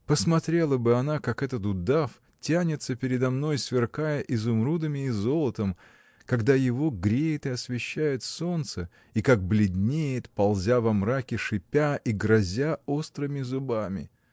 Посмотрела бы она, как этот удав тянется передо мной, сверкая изумрудами и золотом, когда его греет и освещает солнце, и как бледнеет, ползя во мраке, шипя и грозя острыми зубами!